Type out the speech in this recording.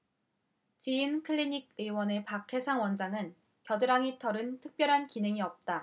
지인클리닉의원의 박해상 원장은 겨드랑이 털은 특별한 기능이 없다